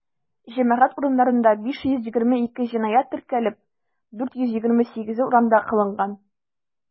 Җәмәгать урыннарында 522 җинаять теркәлеп, 428-е урамда кылынган.